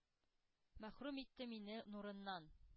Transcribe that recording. Мәхрүм итте мине нурыннан.